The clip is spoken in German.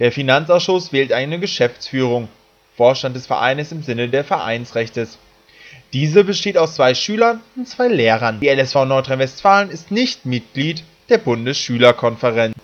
Finanzausschuss wählt eine Geschäftsführung (Vorstand des Vereins im Sinne des Vereinsrechts). Diese besteht aus 2 Schülern und 2 Lehrern. Die LSV Nordrhein-Westfalen ist nicht Mitglied der Bundesschülerkonferenz